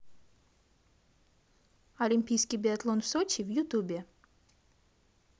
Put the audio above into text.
олимпийский биатлон в сочи в ютубе